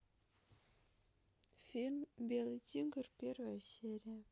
фильм белый тигр первая серия